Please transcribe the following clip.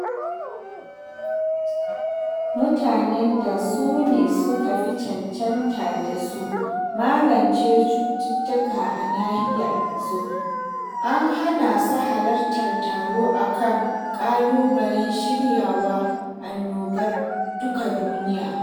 Mutanen da su ne suka fi cancanta da su magance cututtuka a nahiyarsu an hana su halartar taro a kan "ƙalubalen Shiryawa Annobar Duka Duniya".